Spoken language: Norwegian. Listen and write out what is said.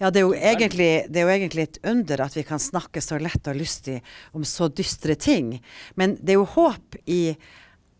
ja det er jo egentlig det er jo egentlig et under at vi kan snakke så lett og lystig om så dystre ting, men det er jo håp i